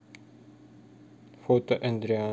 фото эдриана